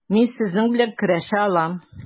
Мин сезнең белән көрәшә алам.